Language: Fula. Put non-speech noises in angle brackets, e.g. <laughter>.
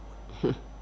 <hesitation> <hesitation>